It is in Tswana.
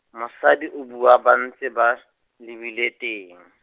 mosadi o bua ba ntse ba, lebile teng.